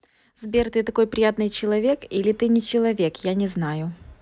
сбер ты такой приятный человек или ты не человек я не знаю